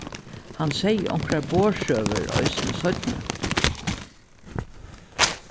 hann segði onkrar borðsøgur eisini seinni